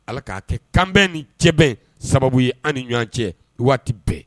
Ala k'a kɛ kanbɛn ni cɛbɛn sababu ye an ni ɲɔɔn cɛ waati bɛɛ